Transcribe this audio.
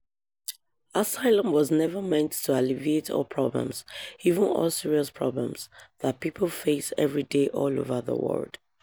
Asylum was never meant to alleviate all problems -- even all serious problems -- that people face every day all over the world.